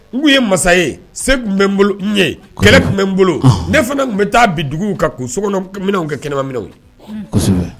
Ni n tun ye masa ye, se tun bɛ n bolo n ye. Ɔhɔn. Kɛlɛ tun bɛ n bolo. Ɔhɔn. Ne fana tun bɛ taa bin duguw kan k'u sokɔnɔ minanw kɛ kɛnɛma minanw ye. Kosɛbɛ !